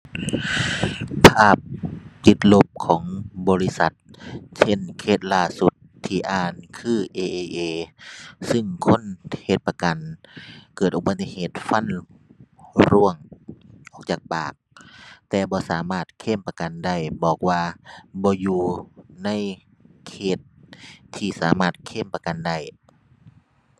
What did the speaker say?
ภาพติดลบของบริษัท เช่น เคสล่าสุดที่อ่านคือ AIA ซึ่งคนเฮ็ดประกันเกิดอุบัติเหตุฟันร่วงออกจากปาก แต่บ่สามารถเคลมประกันได้ บอกว่าบ่อยู่ในเคสที่สามารถเคลมประกันได้